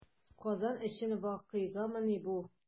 Казан өчен вакыйгамыни бу?